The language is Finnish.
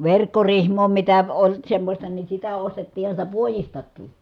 verkkorihmaa mitä oli semmoista niin sitä ostettiinhan sitä puodistakin